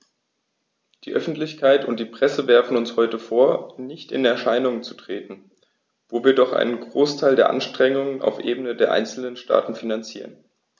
Die Öffentlichkeit und die Presse werfen uns heute vor, nicht in Erscheinung zu treten, wo wir doch einen Großteil der Anstrengungen auf Ebene der einzelnen Staaten finanzieren.